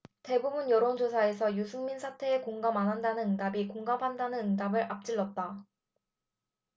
대부분의 여론조사에서 유승민 사퇴에 공감 안 한다는 응답이 공감한다는 응답을 앞질렀다